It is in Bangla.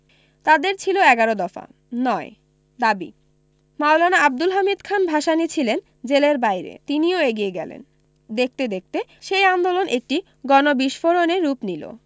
তাদের ছিল এগারো দফা ৯ দাবি মাওলানা আবদুল হামিদ খান ভাসানী ছিলেন জেলের বাইরে তিনিও এগিয়ে গেলেন দেখতে দেখতে সেই আন্দোলন একটি গণবিস্ফোরণে রূপ নিল